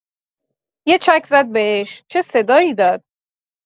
یه چک زد بهش چه صدایی داد